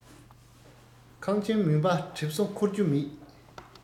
ཁང ཁྱིམ མུན པ གྲིབ སོ འཁོར རྒྱུ མེད